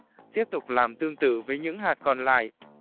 tiếp tục làm tương tự với những hạt còn lại